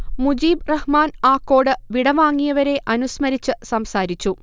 മുജീബ് റഹ്മാൻ ആക്കോട് വിടവാങ്ങിയവരെ അനുസ്മരിച്ച് സംസാരിച്ചു